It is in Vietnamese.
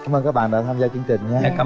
cám ơn các bạn đã tham gia chương trình nha